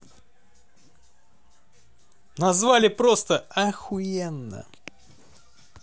назвали просто охуенно